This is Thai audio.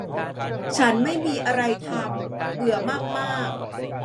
ฉันไม่มีอะไรทำเบื่อมากมาก